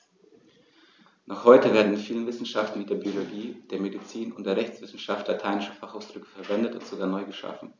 Noch heute werden in vielen Wissenschaften wie der Biologie, der Medizin und der Rechtswissenschaft lateinische Fachausdrücke verwendet und sogar neu geschaffen.